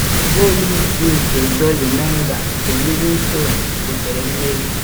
Goolu izizi nke Dolly Menga nke Livingston wetere mmeri